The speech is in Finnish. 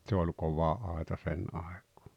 se oli kova aita sen aikaa